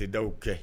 Tɛ da' kɛ